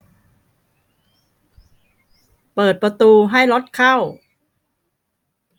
เปิดประตูให้รถเข้า